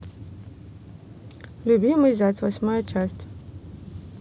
любимый зять восьмая часть